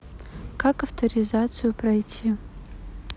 как авторитаризацию пройти